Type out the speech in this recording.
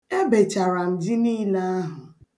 Ebechara m ji niile ahụ.